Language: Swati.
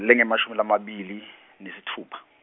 lengemashumi lamabili, nesitfupha.